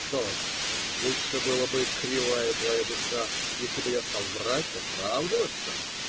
Что ж, лучше было бы, кривая твоя душа, если бы я стал врать, оправдываться?